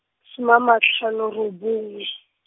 soma ama tlhano robongwe.